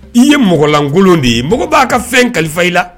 I ye mɔgɔlankolon de ye mɔgɔ b'a ka fɛn kalifa i la